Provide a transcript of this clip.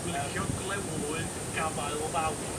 Yym... Dwi'n licio Glewlwyd gafael fawr.